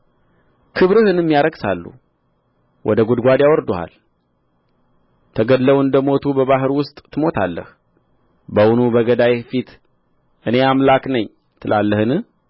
ክብርህንም ያረክሳሉ ወደ ጕድጓድ ያወርዱሃል ተገድለው እንደ ሞቱ በባሕር ውስጥ ትሞታለህ በውኑ በገዳይህ ፊት እኔ አምላክ ነኝ ትላለህን